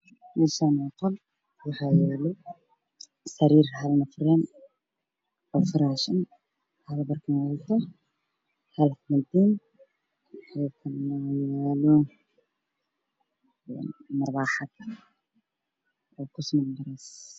Meeshaan waa qol waxaa yaalo sariir hal nafar ah, hal barkin, hal armaajo iyo marawaxad.